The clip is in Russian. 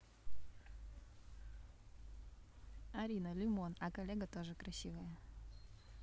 арина лимон а коллега тоже красивая